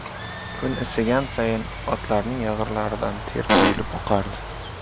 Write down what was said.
kun isigan sayin otlarning yag'rinlaridan ter quyilib oqardi